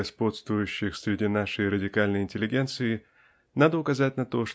господствующих среди нашей радикальной интеллигенции надо указать на то